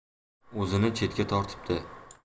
o'zini chetga tortibdi